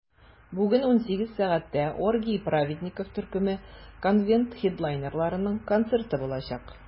Бүген 18 сәгатьтә "Оргии праведников" төркеме - конвент хедлайнерларының концерты булачак.